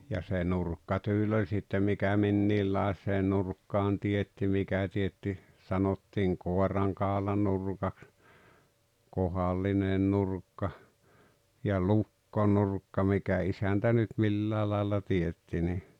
ja se nurkkatyyli oli sitten mikä minkinlaiseen nurkkaan teetti mikä teetti sanottiin koirankaulanurkaksi kohdallinen nurkka ja lukkonurkka mikä isäntä nyt milläkin lailla teetti niin